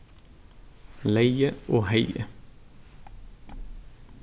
legði og hevði